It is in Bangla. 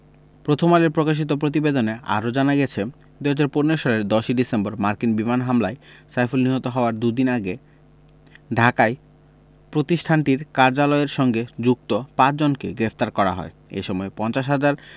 প্রথম আলোয় প্রকাশিত প্রতিবেদনে আরও জানা গেছে ২০১৫ সালের ১০ ডিসেম্বর মার্কিন বিমান হামলায় সাইফুল নিহত হওয়ার দুদিন আগে ঢাকায় প্রতিষ্ঠানটির কার্যালয়ের সঙ্গে যুক্ত পাঁচজনকে গ্রেপ্তার করা হয় এ সময় ৫০ হাজার